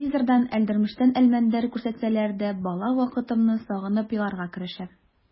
Телевизордан «Әлдермештән Әлмәндәр» күрсәтсәләр дә бала вакытымны сагынып еларга керешәм.